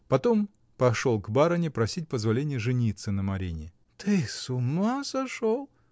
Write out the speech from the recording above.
Потом пошел к барыне просить позволения жениться на Марине. — Ты с ума сошел!